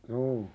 juu